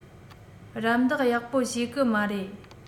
རམས འདེགས ཡག པོ བྱེད གི མ རེད